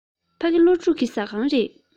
ཕ གི སློབ ཕྲུག གི ཟ ཁང རེད